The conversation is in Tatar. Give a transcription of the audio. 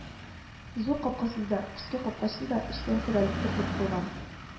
Зур капкасы да, кече капкасы да эчтән терәлеп терәлеп куйган